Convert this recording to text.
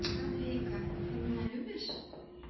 куда дрейка ты меня любишь